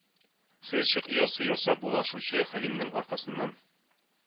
Сыерчык оясы ясап булашучы хәлимнең аркасыннан